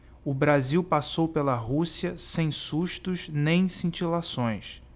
o brasil passou pela rússia sem sustos nem cintilações